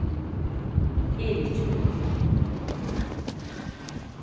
eg eri ikki kul